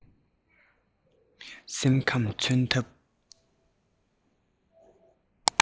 སེམས ཁམས མཚོན ཐབས